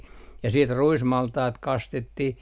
ja sitten ruismaltaat kastettiin